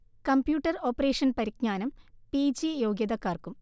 computer operation പരിജ്ഞാനം P G യോഗ്യതക്കാർക്കും